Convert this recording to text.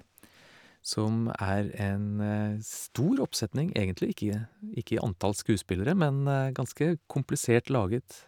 Som er en stor oppsetning, egentlig ikke ikke i antall skuespillere, men ganske komplisert laget.